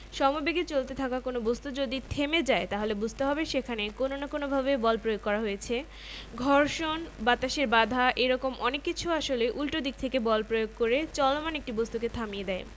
সমবেগে চলতে থাকা কোনো বস্তু যদি থেমে যায় তাহলে বুঝতে হবে সেখানে কোনো না কোনোভাবে বল প্রয়োগ করা হয়েছে ঘর্ষণ বাতাসের বাধা এ রকম অনেক কিছু আসলে উল্টো দিক থেকে বল প্রয়োগ করে চলমান একটা বস্তুকে থামিয়ে দেয়